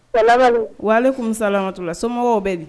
Balabali wa ale tun salamatula somɔgɔw bɛ di